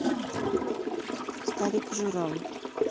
старик и журавль